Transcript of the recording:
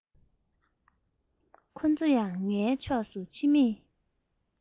ཁོ ཚོ ཡང ངའི ཕྱོགས སུ ཕྱི མིག